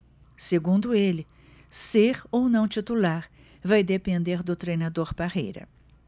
segundo ele ser ou não titular vai depender do treinador parreira